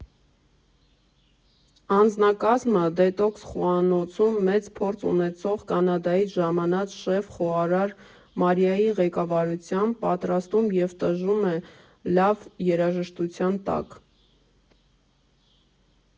Անձնակազմը՝ դետոքս խոհանոցում մեծ փորձ ունեցող, Կանադայից ժամանած շեֆ֊խոհարար Մարիայի ղեկավարությամբ, պատրաստում և տժժում է լավ երաժշտության տակ։